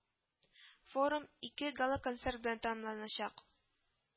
Форум ике гала-концерт белән тәмамланачак